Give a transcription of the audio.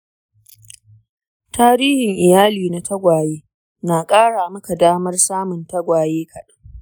tarihin iyali na tagwaye na ƙara maka damar samun tagwaye kaɗan.